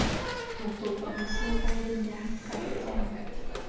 thủ tục và hồ sơ vay đơn giản và dễ dàng